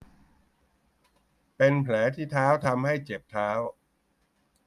เป็นแผลที่เท้าทำให้เจ็บเท้า